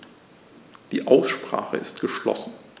Die Aussprache ist geschlossen.